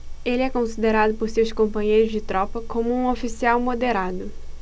ele é considerado por seus companheiros de tropa como um oficial moderado